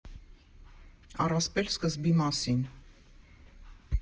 Առասպել սկզբի մասին։